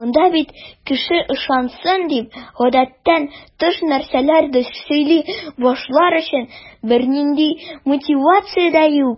Монда бит кеше ышансын дип, гадәттән тыш нәрсәләрдер сөйли башлар өчен бернинди мотивация дә юк.